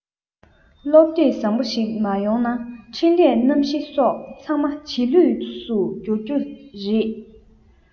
སློབ དེབ བཟང བོ ཞིག མ ཡོང ན འཕྲིན ལས རྣམ བཞི སོགས ཚང མ རྗེས ལུས སུ འགྱུར རྒྱུ རེད